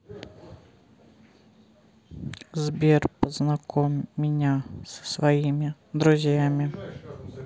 сбер познакомь меня со своими друзьями